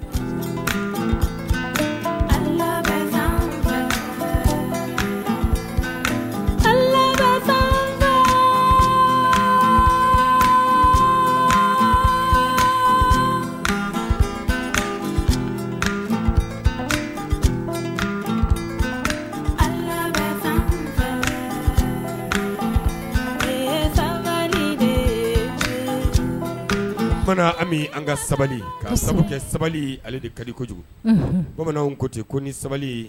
Sabali fana bɛ an ka sabali k ka sababu kɛ sabali ale de ka kojugu bamananw ko ten ko ni sabali